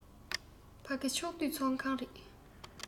ཕ གི ཕྱོགས བསྡུས ཚོགས ཁང རེད